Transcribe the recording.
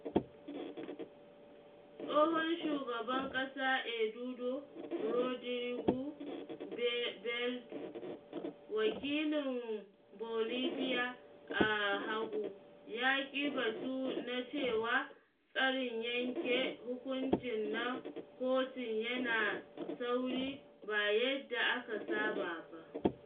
Tsohon shugaban ƙasa Eduardo Rodríguez Veltzé, wakilin Bolivia a Hague, ya ki batu na cewa tsarin yanke hukuncin na kotun yana sauri ba yadda aka saba ba.